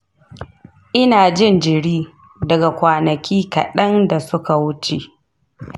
ina jin jiri daga kwanaki kaɗan da suka wuce.